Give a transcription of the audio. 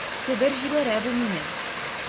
Себер җибәрә бу мине...